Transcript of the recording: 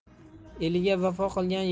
eliga vafo qilgan